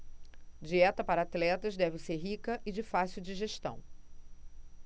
dieta para atletas deve ser rica e de fácil digestão